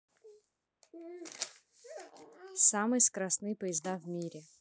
самые скоростные поезда в мире